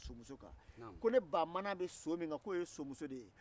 taa fɔ i kɔrɔmuso ye ko ne bɛ a fɛ furula